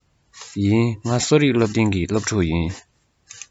ཡིན ང གསོ རིག སློབ གླིང གི སློབ ཕྲུག ཡིན